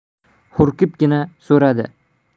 hurkibgina so'radi